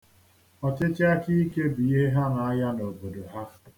ọchịchịakaike bụ ihe ha na-aya n'obodo ha